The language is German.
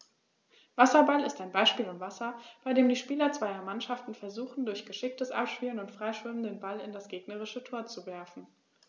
Wasserball ist ein Ballspiel im Wasser, bei dem die Spieler zweier Mannschaften versuchen, durch geschicktes Abspielen und Freischwimmen den Ball in das gegnerische Tor zu werfen.